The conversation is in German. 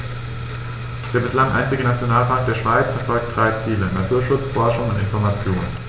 Der bislang einzige Nationalpark der Schweiz verfolgt drei Ziele: Naturschutz, Forschung und Information.